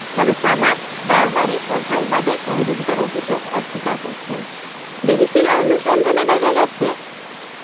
তবে সামাদ বারবারই সন্ত্রাসবাদে সহযোগিতার অভিযোগ অস্বীকার করছেন বিবিসির অনুসন্ধানে দেখা গেছে